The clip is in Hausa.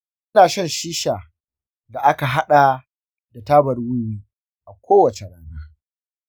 ina shan shisha da aka haɗa da tabar wiwi a kowace rana.